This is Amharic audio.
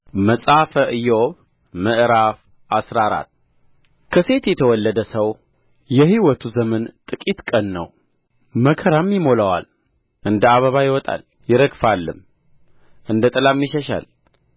መጽሐፈ ኢዮብ ምዕራፍ አስራ አራት ከሴት የተወለደ ሰው የሕይወቱ ዘመን ጥቂት ቀን ነው መከራም ይሞላዋል እንደ አበባ ይወጣል ይረግፋልም እንደ ጥላም ይሸሻል